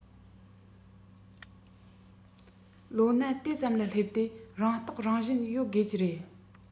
ལོ ན དེ ཙམ ལ སླེབས དུས རང རྟོགས རང བཞིན ཡོད དགོས ཀྱི རེད